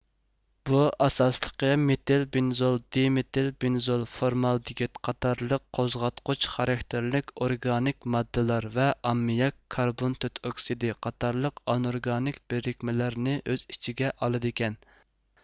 بۇ ئاساسلىقى مېتىل بېنزول دېمىتىل بېنزول فورمالدېگىد قاتارلىق قوزغاتقۇچ خاراكتېرلىك ئورگانىك ماددىلار ۋە ئاممىياك كاربون تۆت ئوكسىدى قاتارلىق ئانئورگانىك بىرىكمىلەرنى ئۆز ئىچىگە ئالىدىكەن